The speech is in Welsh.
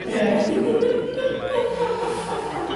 Ie.